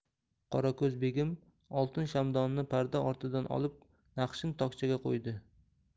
qorako'z begim oltin shamdonni parda ortidan olib naqshin tokchaga qo'ydi